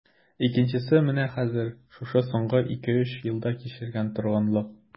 Икенчесе менә хәзер, шушы соңгы ике-өч елда кичергән торгынлык...